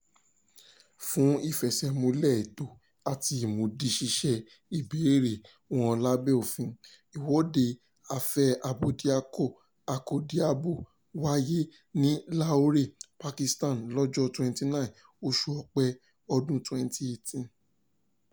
Fún ìfẹsẹ̀múlẹ̀ ẹ̀tọ́ àti imúdiṣíṣẹ ìbéèrè wọn lábẹ́ òfin, ìwọ́de Afẹ́ Abódiakọ-akọ́diabo wáyé ní Lahore, Pakistan, lọ́jọ́ 29 oṣù Ọ̀pẹ ọdún 2018.